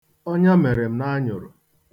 Ọnya mere m n'anyụrụ.